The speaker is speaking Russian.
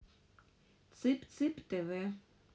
цып цып тв